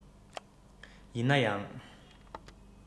ཡིན ན ཡང